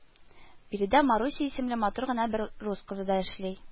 Биредә Маруся исемле матур гына бер рус кызы да эшли